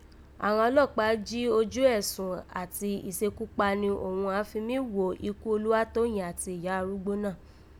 Àghan ọlọ́pàá jí ojú ẹ̀sùn àti ìsekúpani òghun àán fi mí ghò ikú Olúwatoyìn àti Ìyá arúgbó náà